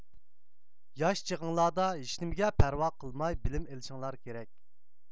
ياش چېغىڭلاردا ھېچنېمىگە پەرۋا قىلماي بىلىم ئېلىشىڭلار كېرەك